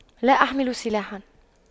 لا أحمل سلاحا